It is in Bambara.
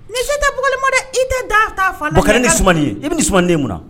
Ni si tɛ ma dɛ i tɛ da ta ni ye i bɛ ni sumaden mun